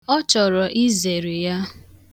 Ọ chọrọ izere ya.